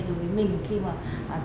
mình khi mà